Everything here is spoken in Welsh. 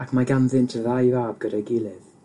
ac mae ganddynt ddau fab gyda'i gilydd.